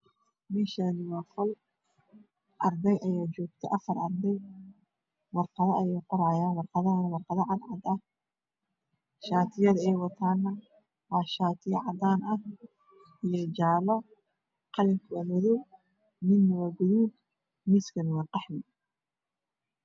Meeshaani waa qol ardey ayaa joogto afar ardey warqado ayay qorahayaan warqadahana waa cadaan ah.shaatiyada ay wataan shaatiyo cadaan ah iyo jaalo qalinku waa madow midna waa gaduud miiskana waa qaxwi.